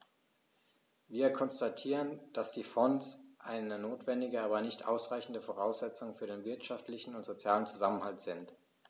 Wir konstatieren, dass die Fonds eine notwendige, aber nicht ausreichende Voraussetzung für den wirtschaftlichen und sozialen Zusammenhalt sind.